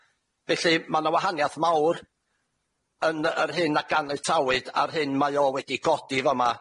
Felly ma' 'na wahaniath mawr yn yr hyn a ganiatawyd a'r hyn mae o wedi godi fa'ma,